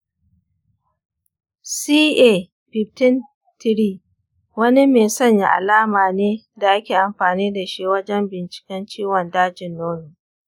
ca 15-3 wani mai sanya alama ne da ake amfani da shi wajen binciken ciwon dajin nono.